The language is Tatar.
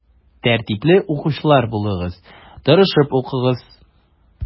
Тәртипле укучылар булыгыз, тырышып укыгыз.